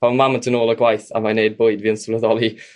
pam ma' mam yn dod nôl o'r gwaith ac mai'n g'neud bwyd i fi fi'n sylweddoli